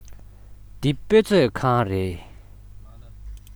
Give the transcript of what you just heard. འདི དཔེ མཛོད ཁང རེད